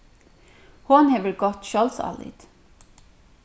hon hevur gott sjálvsálit